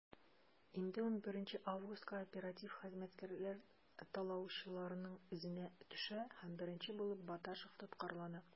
Инде 11 августка оператив хезмәткәрләр талаучыларның эзенә төшә һәм беренче булып Баташев тоткарлана.